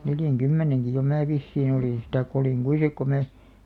neljänkymmenenkin jo minä vissiin olin sitten tai olin kuinka sitten kun minä